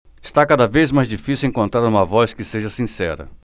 está cada vez mais difícil encontrar uma voz que seja sincera